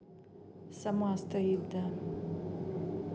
сама стоит да